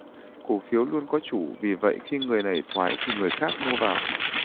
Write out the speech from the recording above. cổ phiếu luôn có chủ vì vậy khi người này thoái thì người khác mua vào